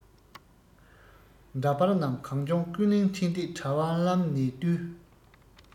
འདྲ པར རྣམས གངས ལྗོངས ཀུན གླེང འཕྲིན སྟེགས དྲ ལམ ནས བཏུས